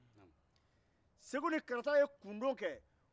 egu n karata ye kundo kɛ